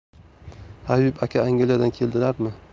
habib aka angliyadan keldilarmi